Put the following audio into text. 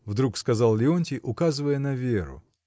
— вдруг сказал Леонтий, указывая на Веру.